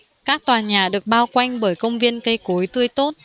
các tòa nhà được bao quanh bởi công viên cây cối tươi tốt